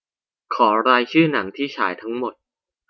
ขอรายชื่อหนังที่ฉายทั้งหมด